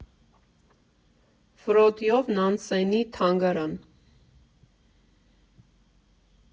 Ֆրոտյոֆ Նանսենի թանգարան։